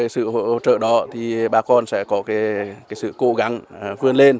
sự hỗ trợ đó thì bà con sẽ có về cái sự cố gắng vươn lên